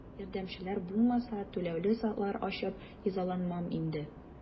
Ярдәмчеләр булмаса, түләүле сайтлар ачып изаланмам инде.